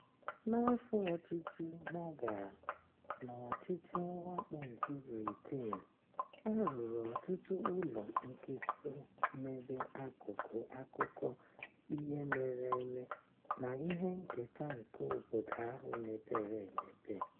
N'afọ ọchịchị Maghal na ọchichị mwakpo nke Britain, a rụrụ ọtụtụ ụlọ nke so mebee akụkụ akụkọ ihe mere eme na ihe nketa nke obodo ahụ mepere emepe.